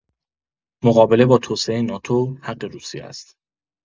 مقابله با توسعه ناتو، حق روسیه است.